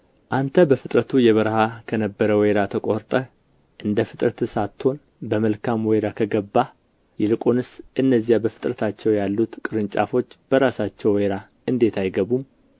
አንተ በፍጥረቱ የበረሀ ከነበረ ወይራ ተቆርጠህ እንደ ፍጥረትህ ሳትሆን በመልካም ወይራ ከገባህ ይልቁንስ እነዚያ በፍጥረታቸው ያሉት ቅርንጫፎች በራሳቸው ወይራ እንዴት አይገቡም